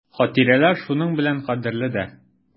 Хатирәләр шуның белән кадерле дә.